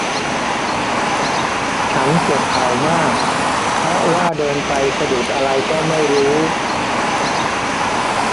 ฉันเจ็บเข่ามากเพราะว่าเดินไปสะดุดอะไรก็ไม่รู้